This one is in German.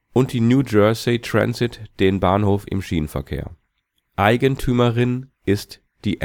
und die New Jersey Transit den Bahnhof im Schienenverkehr. Eigentümerin ist die